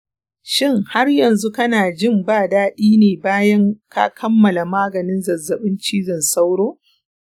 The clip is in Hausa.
shin har yanzu kana jin ba daɗi ne bayan ka kammala maganin zazzabin cizon sauro?